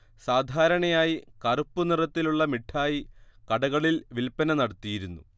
സാധാരണയായി കറുപ്പു നിറത്തിലുള്ള മിഠായി കടകളിൽ വിൽപ്പന നടത്തിയിരുന്നു